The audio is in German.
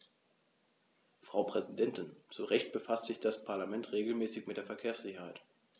Frau Präsidentin, zu Recht befasst sich das Parlament regelmäßig mit der Verkehrssicherheit.